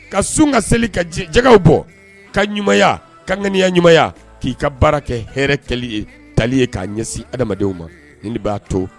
Ka sun ka seli ka ja bɔ ka ɲuman ka ŋaniya ɲumanya k'i ka baara kɛ hɛrɛɛtɛli ye tali ye k'a ɲɛsin adama ma nin de b'a to